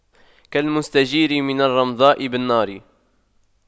كالمستجير من الرمضاء بالنار